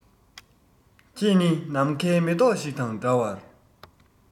ཁྱེད ནི ནམ མཁའི མེ ཏོག ཞིག དང འདྲ བར